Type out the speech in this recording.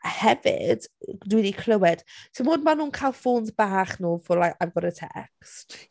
A hefyd yy dwi 'di clywed, ti'n gwybod mae'n nhw'n cael ffôns bach nhw for like "I've got a text"?